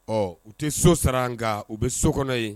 Ɔ u tɛ so sara nka u bɛ so kɔnɔ yen.